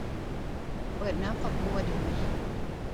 เปิดน้ำฝักบัวเดี๋ยวนี้